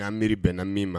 N'a miiri bɛnna min ma